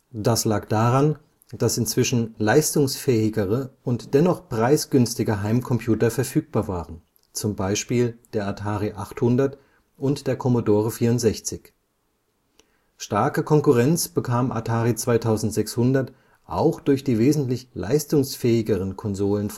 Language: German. Das lag daran, dass inzwischen leistungsfähigere und dennoch preisgünstige Heimcomputer verfügbar waren (z. B. Atari 800 und Commodore 64). Starke Konkurrenz bekam Atari 2600 auch durch die wesentlich leistungsfähigeren Konsolen